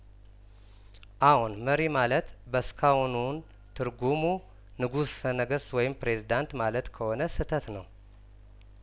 አዎን መሪ ማለት በእስካሁኑን ትርጉሙንጉሰ ነገስት ወይም ፕሬዚዳንት ማለት ከሆነ ስህተት ነው